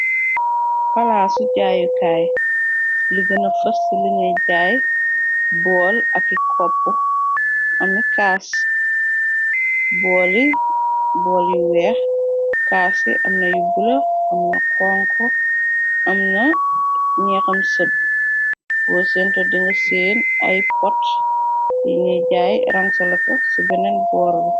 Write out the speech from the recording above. Palaas su jaayekaay li gëna fast liñuy jaay bool aki kopp amti caas. Booli, booli yu weeh caas yi amna yu bulo, amna honku, amna ñeeham sëb wu sento dew seen ay pot yi ñuy jaay rangsaleko ci beneen boor bi.